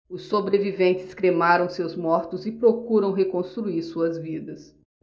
os sobreviventes cremaram seus mortos e procuram reconstruir suas vidas